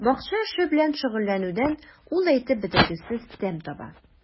Бакча эше белән шөгыльләнүдән ул әйтеп бетергесез тәм таба.